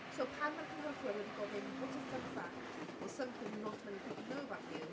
So pan mae'r cynhyrchwyr wedi gofyn; "what's a fun fact or something not many people know about you?"